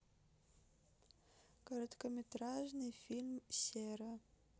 короткометражный фильм сера